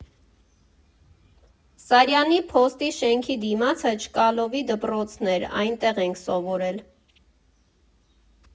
Սարյանի փոստի շենքի դիմացը Չկալովի դպրոցն էր՝ այնտեղ ենք սովորել։